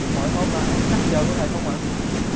mọi hôm là em cắt giờ của thầy hông à